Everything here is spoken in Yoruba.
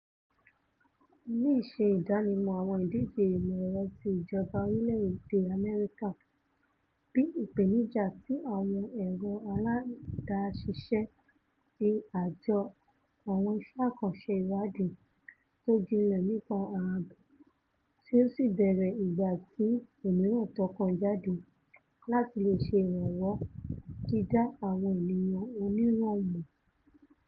Lee ṣe ìdánimọ àwọn ìdíje ìmọ̀-ẹ̀rọ ti ìjọba orílẹ̀-èdè U.S. bíi Ìpèníjà ti Àwọn Ẹ̀rọ Aláàdáṣiṣẹ́ ti Àjọ Àwọn Ìṣẹ́ Àkànṣe Ìwáàdí tó jinlẹ̀ nípa ààbò tí ó sì bèèrè igbàti òmíràn tókàn jáde, láti leè ṣe ìrànwọ dídá àwọn ènìyàn oníran mọ̀.